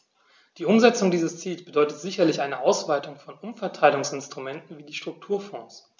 Die Umsetzung dieses Ziels bedeutet sicherlich eine Ausweitung von Umverteilungsinstrumenten wie die Strukturfonds.